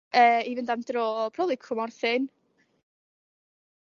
yy i fynd am dro probably Cwmorthin